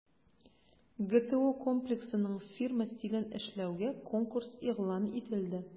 ГТО Комплексының фирма стилен эшләүгә конкурс игълан ителде.